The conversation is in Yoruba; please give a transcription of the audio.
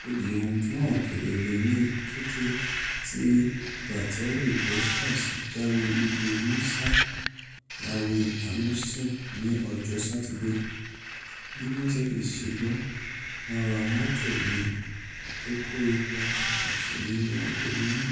Ó di ohun tó hàn kedere ní kété tí Valtteri Bottas jáwé olúborí ṣáá Lewis Hamiton ni ọjọ́ Sátidé. Bí Mercedes ṣe gbọ́, wọ́n ra mọ́tò míì tó kó ipa pàtàkì nínú eré náà.